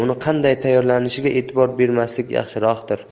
uni qanday tayyorlanishiga e'tibor bermaslik yaxshiroqdir